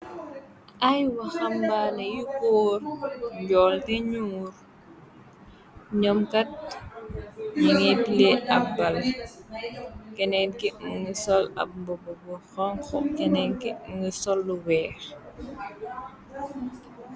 Ay wa xambaane yu kóor njool te ñyuul. Nyoomkat ñinge play ab bal. Kenenki mungi sol ab mbob bu xonko. Kenenki mungi sol lu weex.